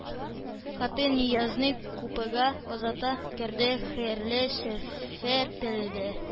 Хатын Ниязны купега озата керде, хәерле сәфәр теләде